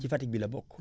ci Fatick bi la bokk